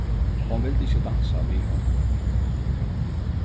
hon vildi ikki dansa við honum